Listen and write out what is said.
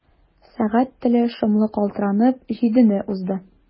Сәгать теле шомлы калтыранып җидене узды.